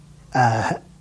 yy hy-